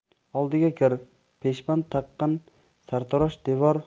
oldiga kir peshband taqqan sartarosh devor